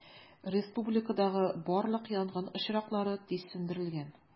Республикадагы барлык янгын очраклары тиз сүндерелгән.